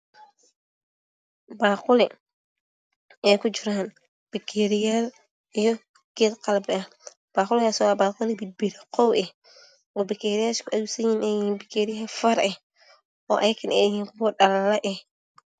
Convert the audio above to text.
Waa baaquli ay kujiraan bakeeriyo iyo geed qalab ah. Waa baaquli ay bakeeriyo ku aruursan yihiin.